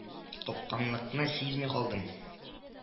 Капканлыкны сизми калдым